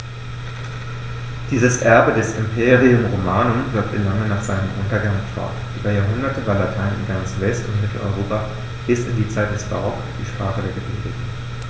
Dieses Erbe des Imperium Romanum wirkte lange nach seinem Untergang fort: Über Jahrhunderte war Latein in ganz West- und Mitteleuropa bis in die Zeit des Barock die Sprache der Gebildeten.